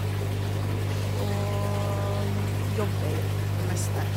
Og jobber, det meste.